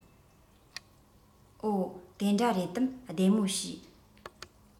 འོ དེ འདྲ རེད དམ བདེ མོ བྱོས